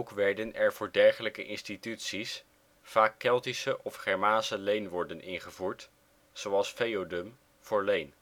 werden er voor dergelijke instituties vaak Keltische en Germaanse leenwoorden ingevoerd, zoals feodum voor leen